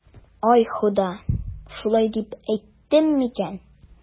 Йа Хода, шулай дип әйттем микән?